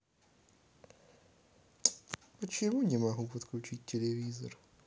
почему не могу подключить телевизор